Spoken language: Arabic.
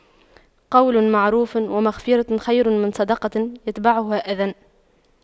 قَولٌ مَّعرُوفٌ وَمَغفِرَةُ خَيرٌ مِّن صَدَقَةٍ يَتبَعُهَا أَذًى